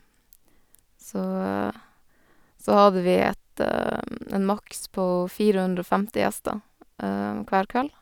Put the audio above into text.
så Så hadde vi et en maks på fire hundre og femti gjester hver kveld.